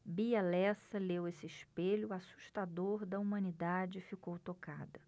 bia lessa leu esse espelho assustador da humanidade e ficou tocada